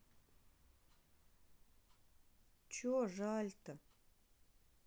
че жаль то